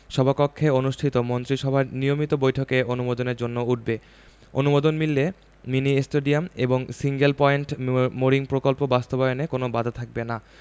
সভাকক্ষে অনুষ্ঠিত মন্ত্রিসভার নিয়মিত বৈঠকে অনুমোদনের জন্য উঠবে অনুমোদন মিললে মিনি স্টেডিয়াম এবং সিঙ্গেল পয়েন্ট মোরিং প্রকল্প বাস্তবায়নে কোনো বাধা থাকবে না